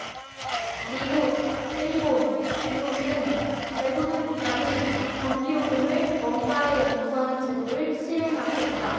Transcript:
미국 일본 중국 등 대부분 국가는 전기요금을 원가에 연동하는 제도를 시행하고 있다